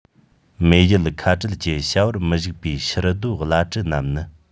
མེས རྒྱལ ཁ བྲལ གྱི བྱ བར མི ཞུགས པའི ཕྱིར སྡོད བླ སྤྲུལ རྣམས ནི